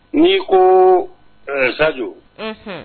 Ni ko ɛɛ sajo.